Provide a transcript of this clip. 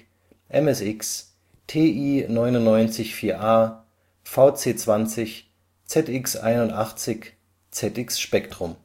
MSX, TI-99/4A, VC 20, ZX81, ZX Spectrum